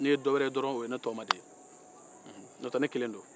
n'i ye dɔwɛrɛ ye dɔrɔn o ye tɔgɔma de ye n'o tɛ ne kelen don